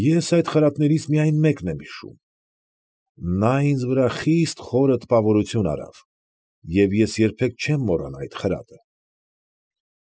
Ես այդ խրատներից միայն մեկն եմ հիշում. նա ինձ վրա խիստ խորը տպավորություն արավ, և ես երբեք չեմ մոռանա այդ խրատը։